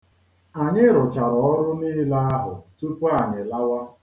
Anyị ruchara ọrụ niile ahụ tupu anỵi lawa.